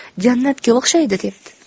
jannatga o'xshaydi debdi